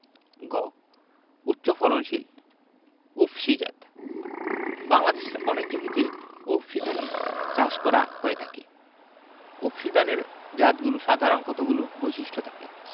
গ উচ্চফলনশীল উফশী জাত বাংলাদেশের অনেক জমিতে উফশী ধানের চাষ করা হয়ে থাকে উফশী ধানের জাতগুলো সাধারণ কতগুলো বৈশিষ্ট্য থাকে